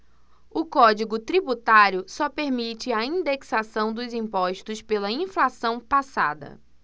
o código tributário só permite a indexação dos impostos pela inflação passada